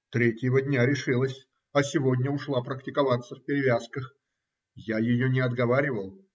- Третьего дня решилась, а сегодня ушла практиковаться в перевязках. Я ее не отговаривал